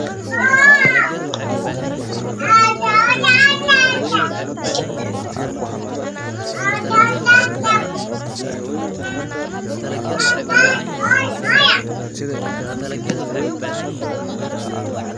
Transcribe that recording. Meeshaan waa makhaayad waxaa yaalo ku raasiyooyin waxaa fadhiyo dad dy